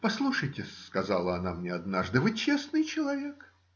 - Послушайте, - сказала она мне однажды: - вы честный человек?